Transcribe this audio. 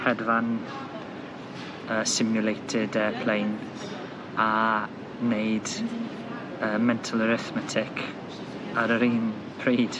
hedfan yy simulated airplane a neud yy mental arithmetic ar yr un pryd.